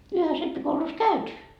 yhdessä rippikoulussa käyty